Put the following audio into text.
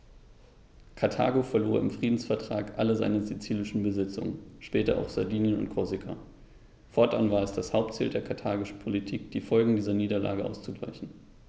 Karthago verlor im Friedensvertrag alle seine sizilischen Besitzungen (später auch Sardinien und Korsika); fortan war es das Hauptziel der karthagischen Politik, die Folgen dieser Niederlage auszugleichen.